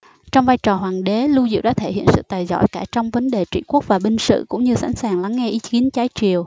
trong vai trò hoàng đế lưu diệu đã thể hiện sự tài giỏi cả trong vấn đề trị quốc và binh sự cũng như sẵn sàng lắng nghe ý kiến trái chiều